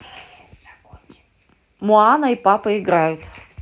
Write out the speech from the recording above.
моана и папа играют